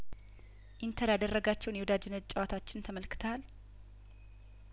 ኢንተር ያደረጋቸውን የወዳጅነት ጨዋታዎችን ተመልክተሀል